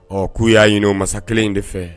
Ɔ k'u y'a ɲini mansakɛ kelen in de fɛ